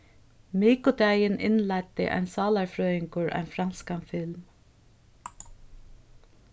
mikudagin innleiddi ein sálarfrøðingur ein franskan film